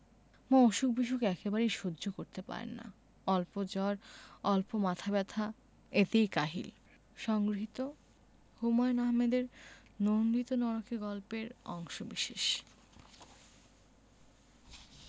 ও অসুখ বিসুখ একেবারেই সহ্য করতে পারেন না অল্প জ্বর অল্প মাথা ব্যাথা এতেই কাহিল সংগৃহীত হুমায়ুন আহমেদের নন্দিত নরকে গল্প এর অংশবিশেষ